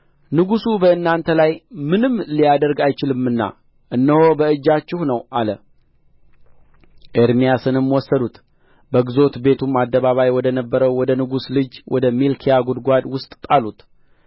ንጉሡ በእናንተ ላይ ምንም ሊያደርግ አይችልምና እነሆ በእጃችሁ ነው አለ ኤርምያስንም ወሰዱት በግዞት ቤቱም አደባባይ ወደ ነበረው ወደ ንጉሡ ልጅ ወደ መልክያ ጕድጓድ ውስጥ ጣሉት